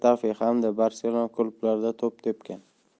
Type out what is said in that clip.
xetafe hamda barselona klublarida to'p tepgan